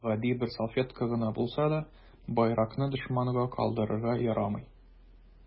Гади бер салфетка гына булса да, байракны дошманга калдырырга ярамый.